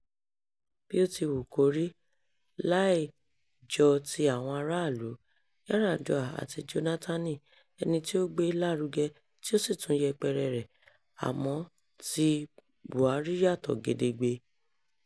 Bí ó ti wù kórí, láì jọ ti àwọn aráàlú – Yar'Adua àti Jónátánì – ẹni tí ó gbé lárugẹ, tí ó sì tún yẹpẹrẹ rẹ̀, àmọ́ ti Buhari yàtọ̀ gedegbe.